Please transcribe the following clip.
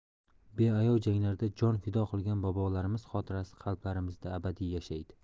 beayov janglarda jon fido qilgan bobolarimiz xotirasi qalblarimizda abadiy yashaydi